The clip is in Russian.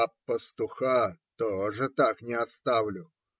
А пастуха тоже так не оставлю",